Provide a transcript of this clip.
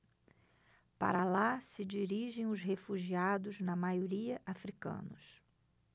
para lá se dirigem os refugiados na maioria hútus